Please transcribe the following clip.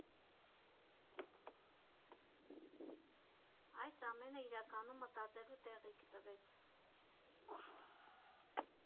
Այս ամենը, իրականում, մտածելու տեղիք տվեց։